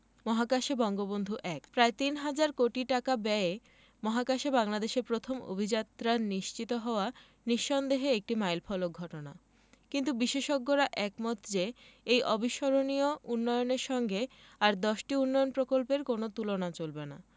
মহাকাশে বঙ্গবন্ধু ১ প্রায় তিন হাজার কোটি টাকা ব্যয়ে মহাকাশে বাংলাদেশের প্রথম অভিযাত্রা নিশ্চিত হওয়া নিঃসন্দেহে একটি মাইলফলক ঘটনা কিন্তু বিশেষজ্ঞরা একমত যে এই অবিস্মরণীয় উন্নয়নের সঙ্গে আর দশটি উন্নয়ন প্রকল্পের কোনো তুলনা চলবে না